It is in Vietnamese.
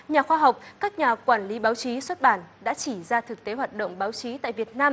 nhà khoa học các nhà quản lý báo chí xuất bản đã chỉ ra thực tế hoạt động báo chí tại việt nam